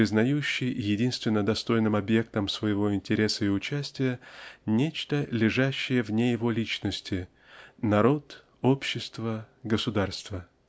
признающий единственно достойным объектом своего интереса и участия нечто лежащее вне его личности -- народ общество государство.